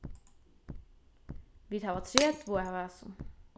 vit hava tretivu av hasum